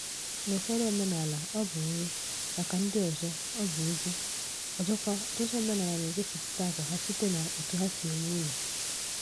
N'ụfọdụ omenaala, ọ bụ nri, maka ndị ọzọ ọ bụ egwu, ọzọkwa ọtụtụ omenala na-egosipụta agwa ha site na etu ha si ewu ụlọ.